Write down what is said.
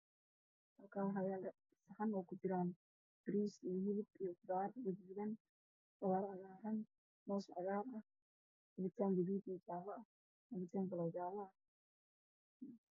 Halkaan waxaa yaalo saxan oo ku jiraan bariis iyo hilib iyo qudaar gaduud qudaar cagaaran moos cagaar ah cabitaan gaduud iyo jaalo ah cabitaan kaloo jaallo ah.